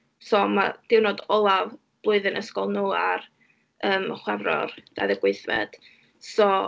So ma' diwrnod olaf blwyddyn ysgol nhw ar, yym, y chwefror dauddeg wythfed, so...